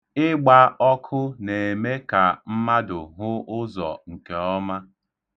Ịgba ọkụ na-eme ka mmadụ hụ ụzọ nke ọma.